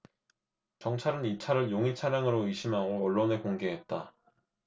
경찰은 이 차를 용의 차량으로 의심하고 언론에 공개했다